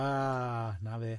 Ah, na fe.